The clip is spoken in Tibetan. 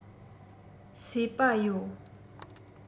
སོས པ ཡོད